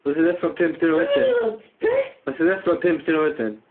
Nath 'i ddeffro pump diwrno wedyn... be'? ...nath 'i ddeffro pump diwrno wedyn.